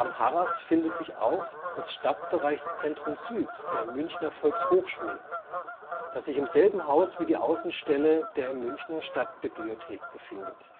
Harras findet sich auch das Stadtbereichszentrum Süd der Münchner Volkshochschule, das sich im selben Haus wie die Außenstelle der Münchner Stadtbibliothek befindet